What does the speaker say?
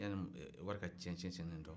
yanni wari ka tiɲɛ tiɲɛ ten tɔ